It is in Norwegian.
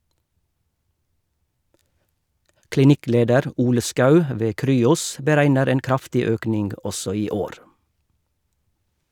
Klinikkleder Ole Schou ved Cryos beregner en kraftig økning også i år.